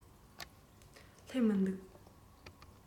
སླེབས མི འདུག